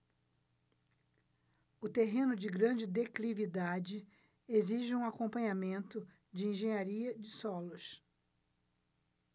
o terreno de grande declividade exige um acompanhamento de engenharia de solos